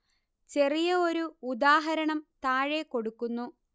ചെറിയ ഒരു ഉദാഹരണം താഴെ കൊടുക്കുന്നു